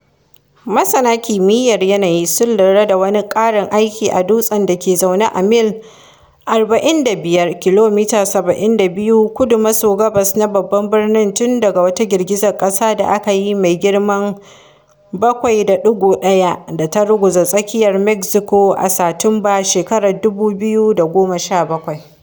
Masana kimiyyar yanayi sun lura da wani ƙarin aiki a dutsen da ke zaune a mil 45 (kilomita 72) kudu-maso-gabas na babban birnin tun daga wata girgizar ƙasa da aka yi mai girman 7.1 da ta ruguza tsakiyar Mexico a Satumba 2017.